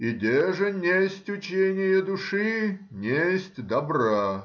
идеже несть учения души, несть добра.